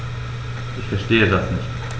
Ich verstehe das nicht.